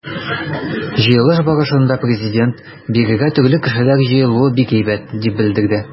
Җыелыш башында Президент: “Бирегә төрле кешеләр җыелуы бик әйбәт", - дип белдерде.